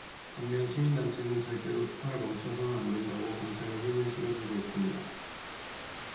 반면 시민단체는 절대로 수사를 멈춰서는 안 된다고 검찰에 힘을 실어주고 있습니다